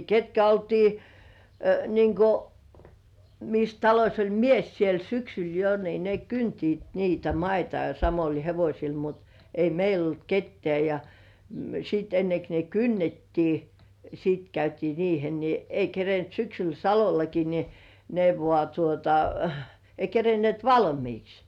ketkä oltiin niin kuin missä talossa oli mies siellä syksyllä jo niin ne kyntivät niitä maita ja samoilla hevosilla mutta ei meillä ollut ketään ja sitten ennen kuin ne kynnettiin sitten käytiin riihellä niin ei kerinnyt syksyllä Salollakin niin ne vain tuota ei kerinneet valmiiksi